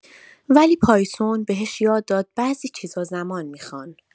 ولی پایتون بهش یاد داد بعضی چیزا زمان می‌خوان.